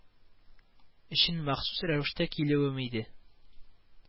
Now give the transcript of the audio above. Өчен махсус рәвештә килүем иде